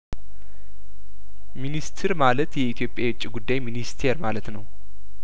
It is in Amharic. ሚኒስትር ማለት የኢትዮጵያ የውጭ ጉዳይሚኒስቴር ማለት ነው